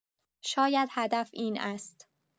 شاید هدف این است.